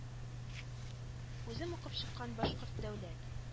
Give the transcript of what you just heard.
Үзем укып чыккан башкорт дәүләт